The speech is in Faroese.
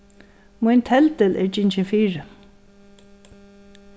mín teldil er gingin fyri s